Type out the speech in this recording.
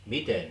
miten